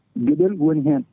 gueɗel woni hen